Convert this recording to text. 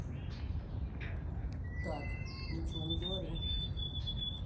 так ничего не говори